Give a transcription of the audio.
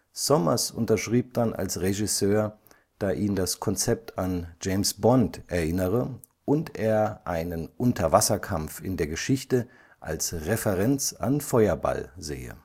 Sommers unterschrieb dann als Regisseur, da ihn das Konzept an James Bond erinnere und er einen Unterwasserkampf in der Geschichte als Referenz an Feuerball sehe